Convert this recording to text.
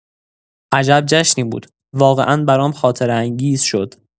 عجب جشنی بود، واقعا برام خاطره‌انگیز شد.